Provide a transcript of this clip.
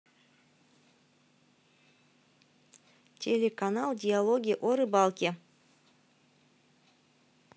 телеканал диалоги о рыбалке